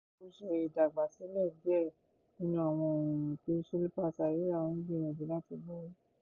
Ó ṣe ìgbàsílẹ̀ díẹ̀ nínú àwọn ọ̀ràn tí Shilpa Sayura ń gbìyànjú láti borí.